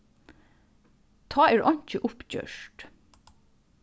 tá er einki uppgjørt